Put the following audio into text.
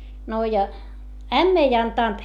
no ja ämmä ei antanut